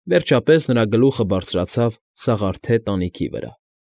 Վերջապես նրա գլուխը բարձրացավ սաղարթե տանիքի վրա։